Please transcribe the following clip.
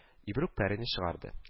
Ибрук пәрине чыгарды